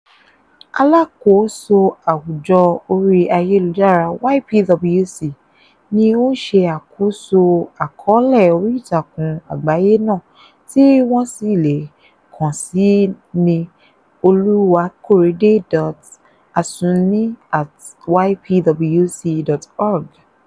Alákòóso Àwùjọ orí Ayélujára YPWC ni ó ń ṣe àkóso Àkọọ́lẹ̀ oríìtakùn àgbáyé náà tí wọ́n sì le kàn síi ní Oluwakorede.Asuni@ypwc.org